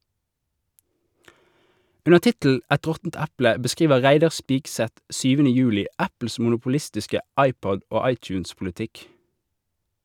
Under tittelen "Et råttent eple" beskriver Reidar Spigseth 7. juli Apples monopolistiske iPod- og iTunes-politikk.